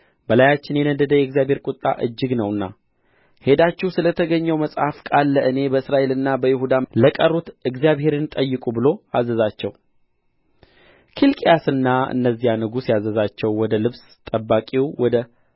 በላያችን የነደደ የእግዚአብሔር ቍጣ እጅግ ነውና ሄዳችሁ ስለ ተገኘው የመጽሐፍ ቃል ለእኔ በእስራኤልና በይሁዳም ለቀሩት እግዚአብሔርን ጠይቁ ብሎ አዘዛቸው ኬልቅያስና እነዚያ ንጉሥ ያዘዛቸው ወደ ልብስ ጠባቂው ወደ